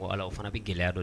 Ɔ voilà o fana bi gɛlɛya dɔ